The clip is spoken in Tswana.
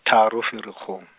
tharo Ferikgong.